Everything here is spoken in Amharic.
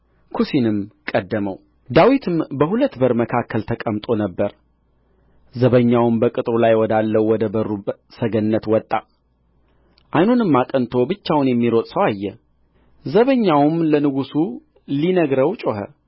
ኵሲንም ቀደመው ዳዊትም በሁለት በር መካከል ተቀምጦ ነበር ዘበኛውም በቅጥሩ ላይ ወዳለው ወደ በሩ ሰገነት ወጣ ዓይኑንም አቅንቶ ብቻውን የሚሮጥ ሰው አየ ዘበኛውም ለንጉሡ ሊነግረው ጮኸ